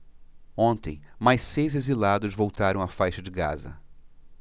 ontem mais seis exilados voltaram à faixa de gaza